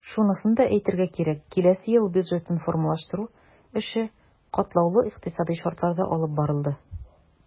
Шунысын да әйтергә кирәк, киләсе ел бюджетын формалаштыру эше катлаулы икътисадый шартларда алып барылды.